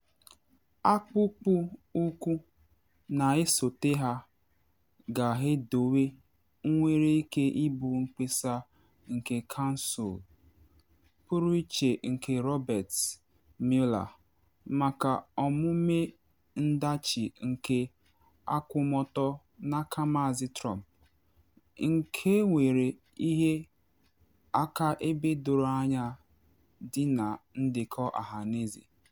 Akpụkpụ ụkwụ na esote a ga-edowe nwere ike ịbụ mkpesa nke kansụl pụrụ iche nke Robert Mueller maka ọmụme ndachi nke akwụmọtọ n’aka Maazị Trump, nke enwere ihe akaebe doro anya dị na ndekọ ọhaneze.